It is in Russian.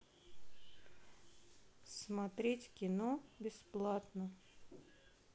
смотреть кино бесплатно